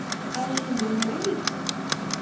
а афина меня любит